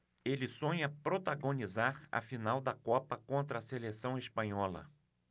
ele sonha protagonizar a final da copa contra a seleção espanhola